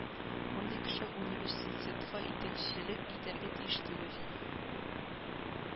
Мондый кеше университетка итәкчелек итәргә тиеш түгел